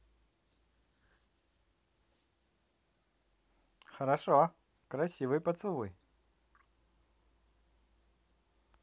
хорошо красивый поцелуй